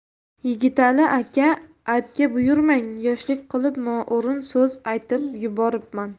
yigitali aka aybga buyurmang yoshlik qilib noo'rin so'z aytib yuboribman